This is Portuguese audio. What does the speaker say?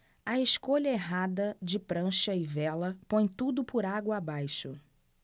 a escolha errada de prancha e vela põe tudo por água abaixo